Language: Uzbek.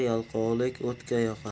yalqovlik o'tga yoqar